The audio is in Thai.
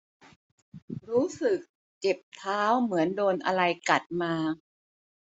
รู้สึกเจ็บเท้าเหมือนโดนอะไรกัดมา